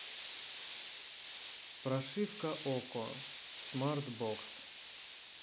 прошивка окко смарт бокс